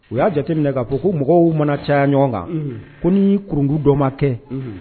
U y'a jateminɛ' fɔ ko mɔgɔw mana caya ɲɔgɔn kan ko y'i kuruku dɔ ma kɛ